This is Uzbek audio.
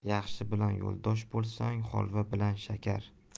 yaxshi bilan yo'ldosh bo'lsang holva bilan shakar